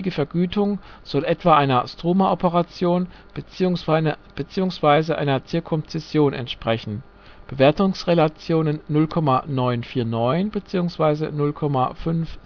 Vergütung soll etwa einer Struma-Operation bzw. einer Zirkumzision entsprechen (Bewertungsrelationen 0,949 bzw. 0,569